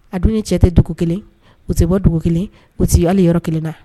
A dun cɛ tɛ dugu kelen u tɛ bɔ dugu kelen u que ala yɔrɔ kelen na